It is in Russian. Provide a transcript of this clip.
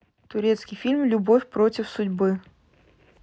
турецкий фильм любовь против судьбы